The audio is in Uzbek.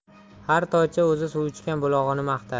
har toycha o'zi suv ichgan bulog'ini maqtar